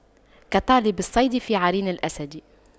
كطالب الصيد في عرين الأسد